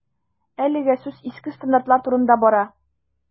Әлегә сүз иске стандартлар турында бара.